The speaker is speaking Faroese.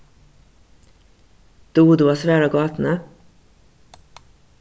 dugir tú at svara gátuni